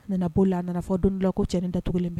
Nana'o la a nana fɔ don dilan ko cɛnin da tugunilen